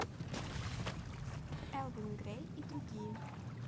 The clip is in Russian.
элвин грей и другие